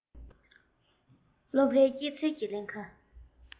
སློབ རའི སྐྱེད ཚལ གྱི གླིང ག